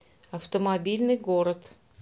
автомобильный город